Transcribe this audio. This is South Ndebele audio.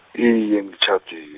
iye ngitjhadi-.